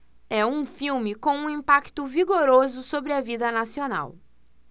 é um filme com um impacto vigoroso sobre a vida nacional